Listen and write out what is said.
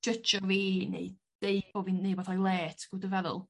jydgo fi neu deud bo' fi'n neud wbath o'i le ti'n gw' be' dwi feddwl?